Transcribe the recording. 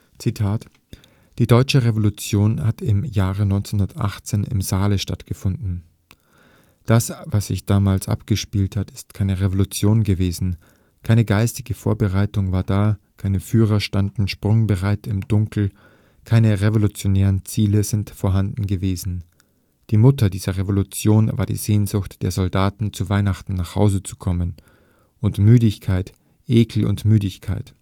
Die deutsche Revolution hat im Jahre 1918 im Saale stattgefunden. Das, was sich damals abgespielt hat, ist keine Revolution gewesen: keine geistige Vorbereitung war da, keine Führer standen sprungbereit im Dunkel; keine revolutionären Ziele sind vorhanden gewesen. Die Mutter dieser Revolution war die Sehnsucht der Soldaten, zu Weihnachten nach Hause zu kommen. Und Müdigkeit, Ekel und Müdigkeit